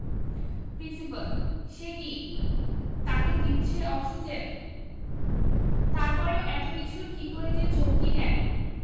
principal সে কি তাকে দিচ্ছে অক্সিজেন তারপরেও এত কিছুর কি করে যে ঝক্কি নেন